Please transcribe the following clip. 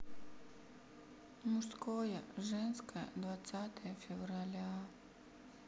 мужское женское двадцатое февраля